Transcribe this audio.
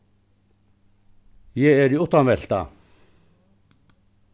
eg eri uttanveltað